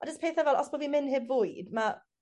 a jys pethe fel os bo' fi'n myn' heb fwyd ma'